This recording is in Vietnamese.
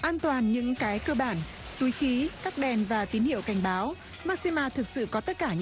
an toàn những cái cơ bản túi khí tắt đèn và tín hiệu cảnh bảo mắc xi ma thực sự có tất cả